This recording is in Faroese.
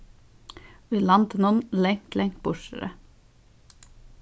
í landinum langt langt burturi